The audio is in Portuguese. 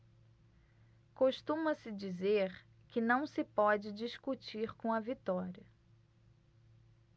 costuma-se dizer que não se pode discutir com a vitória